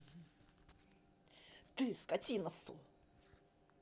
ты скотина су